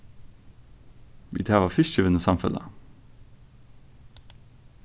vit hava fiskivinnusamfelag